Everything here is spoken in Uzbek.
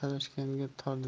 talashganga tor dunyo